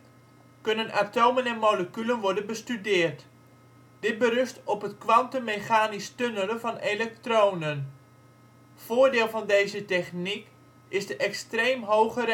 kunnen atomen en moleculen worden bestudeerd. Dit berust op het kwantummechanisch tunnelen van elektronen. Voordeel van deze techniek is de extreem hoge